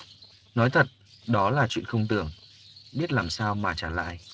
nói thật đó là chuyện không tưởng biết làm sao mà trả lại